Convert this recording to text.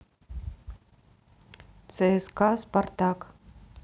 цск спартак